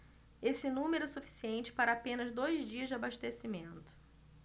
esse número é suficiente para apenas dois dias de abastecimento